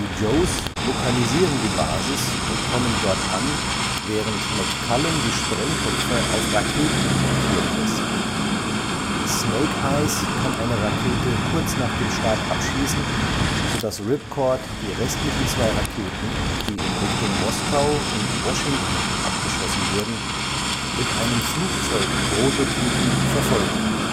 Joes lokalisieren die Basis und kommen dort an, während McCullen die Sprengköpfe auf Raketen montieren lässt. Snake Eyes kann eine Rakete kurz nach dem Start abschießen, so dass Ripcord die restlichen zwei Raketen, die in Richtung Moskau und Washington abgeschossen wurden, mit einem Flugzeugprototypen verfolgen kann